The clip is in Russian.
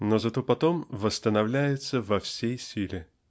но зато потом восстановляется во всей силе.